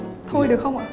thôi được không ạ